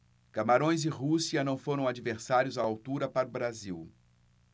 camarões e rússia não foram adversários à altura para o brasil